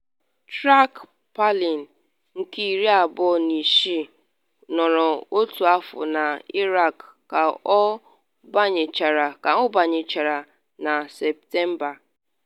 Track Palin, nke iri abụọ na isii, nọrọ otu afọ na Iraq ka ọ banyechara na Sept.